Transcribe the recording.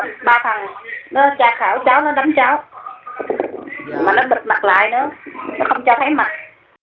ba thằng nó tra khảo cháu nó đánh cháu mà nó bịt mặt lại nữa nó không cho thấy mặt